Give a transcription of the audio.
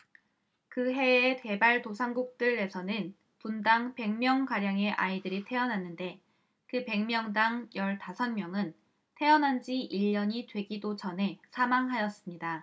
그 해에 개발도상국들에서는 분당 백 명가량의 아이들이 태어났는데 그 백 명당 열 다섯 명은 태어난 지 일 년이 되기도 전에 사망하였습니다